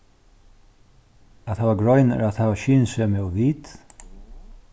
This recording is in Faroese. at hava grein er at hava skynsemi og vit